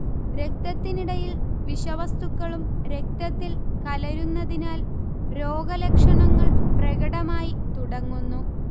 രക്തത്തിനിടയിൽ വിഷവസ്തുക്കളും രക്തത്തിൽ കലരുന്നതിനാൽ രോഗലക്ഷണങ്ങൾ പ്രകടമായിത്തുടങ്ങുന്നു